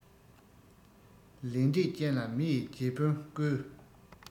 ལས འབྲས ཅན ལ མི ཡིས རྗེ དཔོན བསྐོས